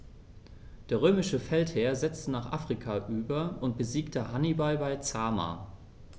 Der römische Feldherr setzte nach Afrika über und besiegte Hannibal bei Zama.